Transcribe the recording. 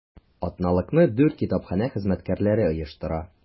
Атналыкны дүрт китапханә хезмәткәрләре оештыра.